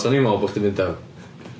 O'n i'n meddwl bod chdi'n mynd am.